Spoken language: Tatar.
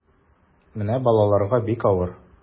Менә балаларга бик авыр.